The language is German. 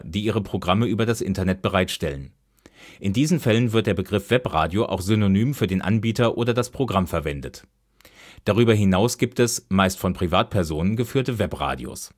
die ihre Programme über das Internet bereitstellen. In diesen Fällen wird der Begriff Webradio auch synonym für den Anbieter oder das Programm verwendet. Darüber hinaus gibt es meist von Privatpersonen geführte Webradios